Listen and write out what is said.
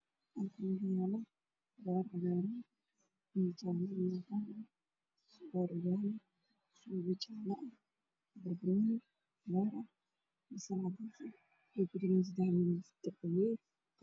Waa kusheegay waxaa lagu karinayaa weerar ay ku jiraan cuntooyin sida khudaarta hilibka